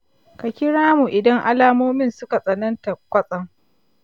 ka kira mu idan alamomin suka tsananta kwatsam.